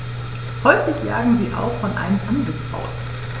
Häufig jagen sie auch von einem Ansitz aus.